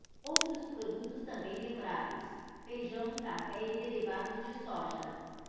outros produtos também lembrados feijão café e derivados de soja